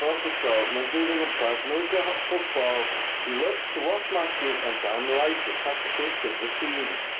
Four foot tall, mae'n dreifo o gwmpas, mae'n licio football. He loves to watch matches and to analyse the tactics of the teams.